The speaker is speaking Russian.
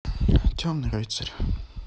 темный рыцарь